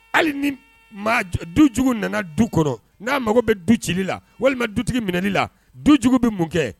Hali ni maa dujugu nana du kɔrɔ n'a mago bɛ du cili la walima dutigi minɛli la dujugu bɛ mun kɛ